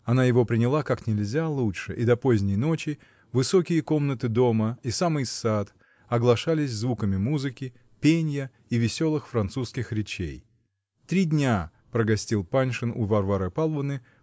Она его приняла как нельзя лучше, и до поздней ночи высокие комнаты дома и самый сад оглашались звуками музыки, пенья и веселых французских речей. Три дня прогостил. Паншин у Варвары Павловны